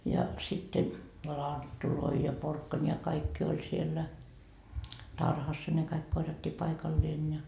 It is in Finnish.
ja sitten lanttuja ja porkkanoita ja kaikki oli siellä tarhassa ne kaikki korjattiin paikalleen ja